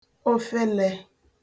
ofelē